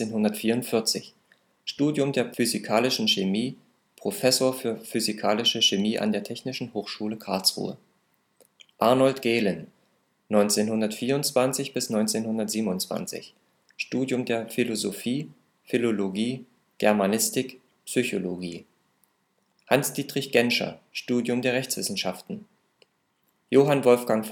1944, Studium der Physikalischen Chemie, Prof. f. Physikalische Chemie an der Technischen Hochschule Karlsruhe Arnold Gehlen, 1924 – 1927, Studium der Philosophie, Philologie, Germanistik, Psychologie Hans-Dietrich Genscher, Studium der Rechtswissenschaften Johann Wolfgang